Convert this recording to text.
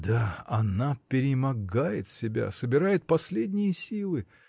— Да, она перемогает себя, собирает последние силы!